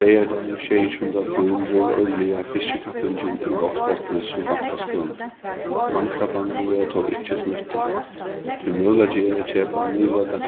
leygardagin sjeyogtjúgunda apríl verður árliga fiskikappingin í vágsbotni sum vant á skránni landkrabbarnir verða tó ikki snýttir tí møguleiki er at keypa nýveidda